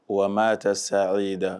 Wa ma ta sa ala yeda